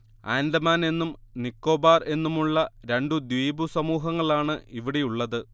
ആൻഡമാൻ എന്നും നിക്കോബാർ എന്നുമുള്ള രണ്ടു ദ്വീപുസമൂഹങ്ങളാണ് ഇവിടെയുള്ളത്